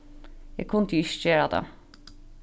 eg kundi ikki gera tað